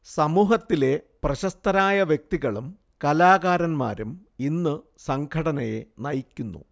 സമൂഹത്തിലെ പ്രശസ്തരായ വ്യക്തികളും കലാകാരന്മാരും ഇന്ന് സംഘടനയെ നയിക്കുന്നു